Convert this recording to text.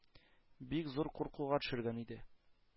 Бик зур куркуга төшергән иде.